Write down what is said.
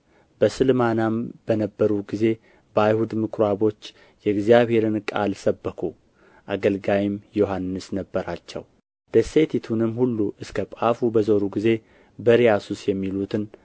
በስልማናም በነበሩ ጊዜ በአይሁድ ምኵራቦች የእግዚአብሔርን ቃል ሰበኩ አገልጋይም ዮሐንስ ነበራቸው ደሴቲቱንም ሁሉ እስከ ጳፉ በዞሩ ጊዜ በርያሱስ የሚሉትን